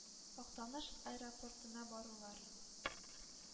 Актаныш аэропортына барулар,